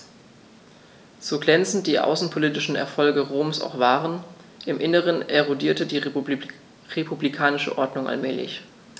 So glänzend die außenpolitischen Erfolge Roms auch waren: Im Inneren erodierte die republikanische Ordnung allmählich.